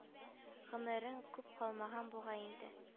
Гомерең күп калмаган бугай инде